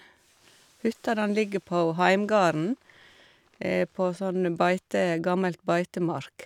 Hytta den ligger på heimgarden, på sånn beite gammelt beitemark.